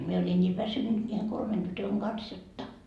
minä olin niin väsynyt niiden kolmen tytön kanssa jotta